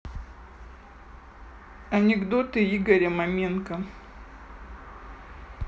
анекдоты игоря маменко